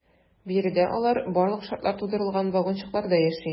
Биредә алар барлык шартлар тудырылган вагончыкларда яши.